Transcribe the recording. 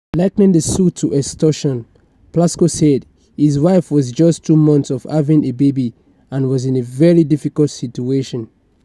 Likening the suit to "extortion," Plasco said his wife was just two months off having a baby and was in a "very difficult situation."